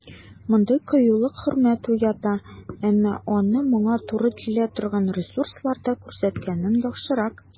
Мондый кыюлык хөрмәт уята, әмма аны моңа туры килә торган ресурсларда күрсәткәнең яхшырак.